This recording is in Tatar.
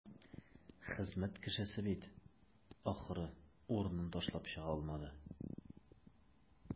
Хезмәт кешесе бит, ахры, урынын ташлап чыга алмады.